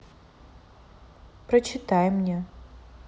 прочитай мне